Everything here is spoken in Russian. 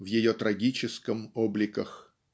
в ее трагическом обликах.